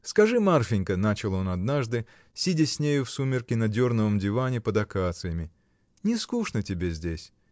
— Скажи, Марфинька, — начал он однажды, сидя с нею в сумерки на дерновом диване, под акациями, — не скучно тебе здесь?